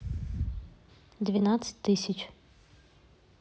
двенадцать тысяч